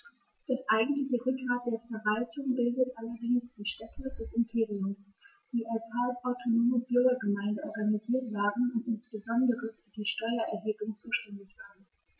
Das eigentliche Rückgrat der Verwaltung bildeten allerdings die Städte des Imperiums, die als halbautonome Bürgergemeinden organisiert waren und insbesondere für die Steuererhebung zuständig waren.